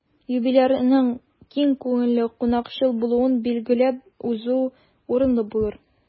Юбилярның киң күңелле, кунакчыл булуын билгеләп узу урынлы булыр.